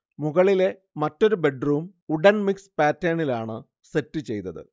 മുകളിലെ മെറ്റാരു bedroom wooden mix പാറ്റേണിലാണ് സെറ്റ് ചെയ്തത്